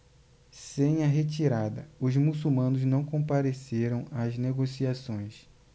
sem a retirada os muçulmanos não compareceram às negociações